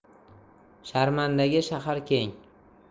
sharmandaga shahar keng